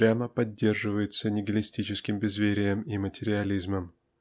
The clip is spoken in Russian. прямо поддерживается нигилистическим безверием и материализмом